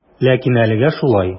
Ләкин әлегә шулай.